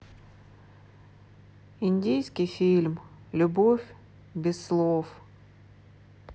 индийский фильм любовь без слов